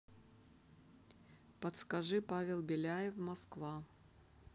подскажи павел беляев москва